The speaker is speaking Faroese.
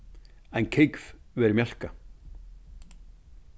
ein kúgv verður mjólkað